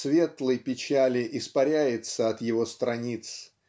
светлой печали испаряется от его страниц